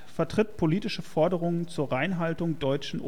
politische Forderungen zur Reinhaltung deutschen